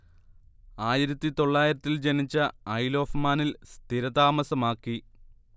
ആയിരത്തി തൊള്ളായിരത്തിൽ ജനിച്ച ഐൽ ഒഫ് മാനിൽ സ്ഥിരതാമസമാക്കി